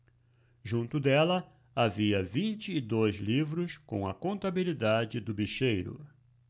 junto dela havia vinte e dois livros com a contabilidade do bicheiro